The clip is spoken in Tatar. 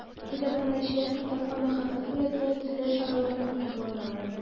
Китапханәчеләр китапка мәхәббәт уятуда төрле чаралардан файдаланалар.